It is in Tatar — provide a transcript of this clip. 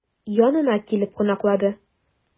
Янына килеп кунаклады.